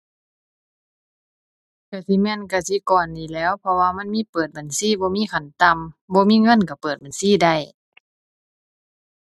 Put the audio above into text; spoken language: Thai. ก็สิแม่นกสิกรนี่แหล้ว เพราะว่ามันมีเปิดบัญชี บ่มีขั้นต่ำ บ่มีเงินก็เปิดบัญชีได้